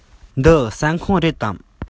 འདི ཟ ཁང རེད དམ